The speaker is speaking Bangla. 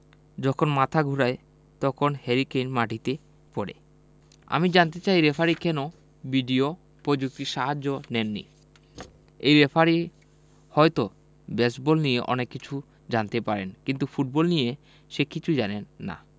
যখন মাথা ঘোরায় তখন হ্যারি কেইন মাটিতে পড়ে আমি জানতে চাই রেফারি কেন ভিডিও পযুক্তির সাহায্য নেয়নি এই রেফারি হয়তো বেসবল নিয়ে অনেক কিছু জানতে পারে কিন্তু ফুটবল নিয়ে সে কিছুই জানে না